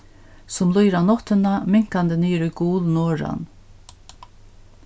sum líður á náttina minkandi niður í gul norðan